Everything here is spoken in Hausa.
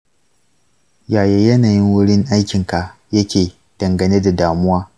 yaya yanayin wurin aikinka yake dangane da damuwa?